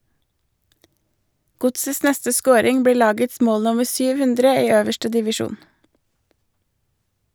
Godsets neste scoring blir lagets mål nummer 700 i øverste divisjon.